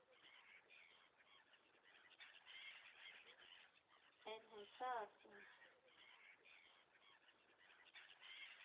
֊ Էն հունցա՞ ասում։